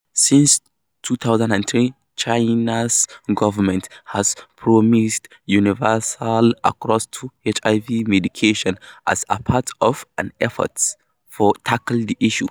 Since 2003, China's government has promised universal access to HIV medication as part of an effort to tackle the issue.